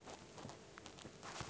мегащенки могучие лапы